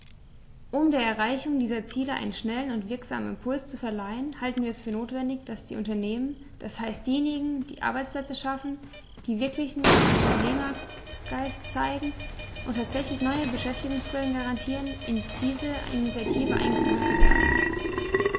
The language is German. Um der Erreichung dieser Ziele einen schnellen und wirksamen Impuls zu verleihen, halten wir es für notwendig, dass die Unternehmer, das heißt diejenigen, die Arbeitsplätze schaffen, die wirklichen Unternehmergeist zeigen und tatsächlich neue Beschäftigungsquellen garantieren, in diese Initiative eingebunden werden.